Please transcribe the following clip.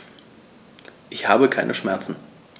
Ich habe keine Schmerzen.